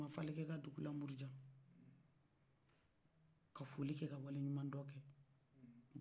ne bɛ bɔ bavalikɛ ka dugula murujan ka foli kɛ ka wali ɲuma don